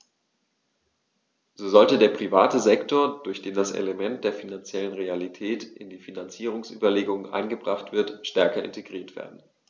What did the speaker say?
So sollte der private Sektor, durch den das Element der finanziellen Realität in die Finanzierungsüberlegungen eingebracht wird, stärker integriert werden.